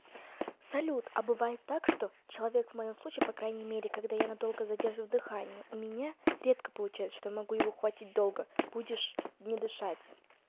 салют а бывает так то что человек в моем случае по крайней мере когда я надолго задерживаю дыхание у меня редко получается что я могу его хватит долго будешь не дышать